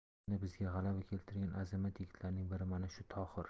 o'shanda bizga g'alaba keltirgan azamat yigitlarning biri mana shu tohir